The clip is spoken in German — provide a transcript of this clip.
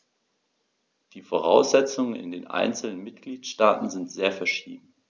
Die Voraussetzungen in den einzelnen Mitgliedstaaten sind sehr verschieden.